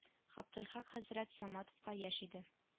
Габделхак хәзрәт саматовка яшь иде